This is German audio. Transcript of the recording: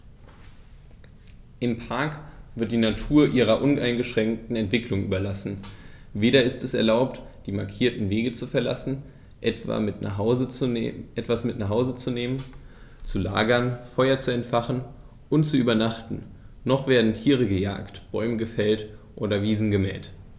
Im Park wird die Natur ihrer uneingeschränkten Entwicklung überlassen; weder ist es erlaubt, die markierten Wege zu verlassen, etwas mit nach Hause zu nehmen, zu lagern, Feuer zu entfachen und zu übernachten, noch werden Tiere gejagt, Bäume gefällt oder Wiesen gemäht.